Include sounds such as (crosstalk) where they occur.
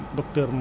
(hesitation) (hesitation)